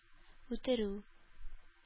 Үтерү